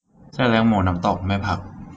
เส้นเล็กหมูน้ำตกไม่ผัก